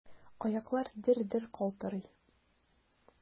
Аяклар дер-дер калтырый.